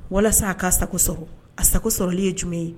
Walasa a k' sago sɔrɔ a sago sɔrɔli ye jumɛn ye